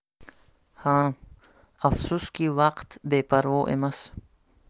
ha afsuski vaqt beparvo emas